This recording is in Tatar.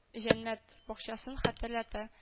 Җәннәт бакчасын хәтерләтә